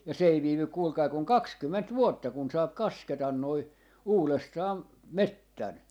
ja se ei viivy kuulkaa kuin kaksikymmentä vuotta kun saa kasketa nuo uudestaan metsän